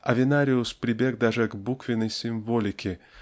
Авенариус прибег даже к буквенной символике